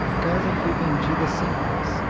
a casa foi vendida sem pressa